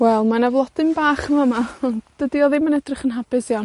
Wel, mae 'na flodyn bach yn fama, o, dydi o ddim yn edrych yn hapus iawn.